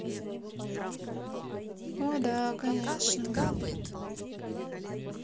о да конечно